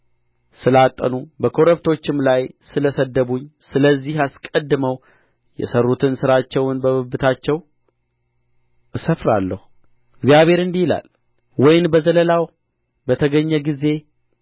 ስላጠኑ በኮረብቶችም ላይ ስለ ሰደቡኝ ስለዚህ አስቀድመው የሠሩትን ሥራቸውን በብብታቸው እሰፍራለሁ እግዚአብሔር እንዲህ ይላል ወይን በዘለላው በተገኘች ጊዜ